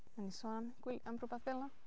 Wnawn ni sôn am gwy- am rywbeth fel 'na?